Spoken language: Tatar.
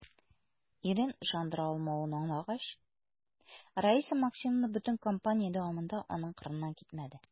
Ирен ышандыра алмавын аңлагач, Раиса Максимовна бөтен кампания дәвамында аның кырыннан китмәде.